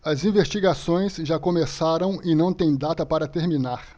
as investigações já começaram e não têm data para terminar